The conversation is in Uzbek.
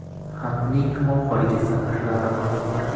xatning oxirgi satrlarini o'qir